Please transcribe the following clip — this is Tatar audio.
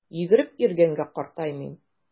Йөгереп йөргәнгә картаймыйм!